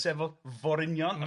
Sef o- Forinion... M-hm.